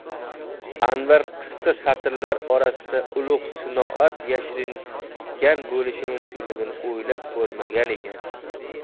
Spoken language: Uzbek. anvar qisqa satrlar orasida ulug' sinoat yashiringan bo'lishi mumkinligini o'ylab ko'rmagan ekan